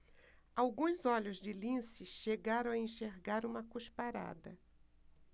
alguns olhos de lince chegaram a enxergar uma cusparada